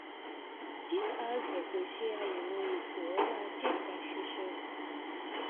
GRZ kò ṣe àyẹ̀wò ètò ọrọ̀-ajé kan ṣoṣo.